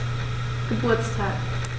Geburtstag